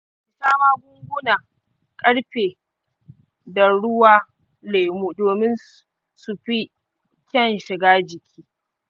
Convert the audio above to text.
ka sha magungunan ƙarfe da ruwan lemu domin su fi kyan shiga jiki.